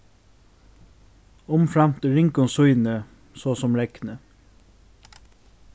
umframt í ringum sýni so sum regni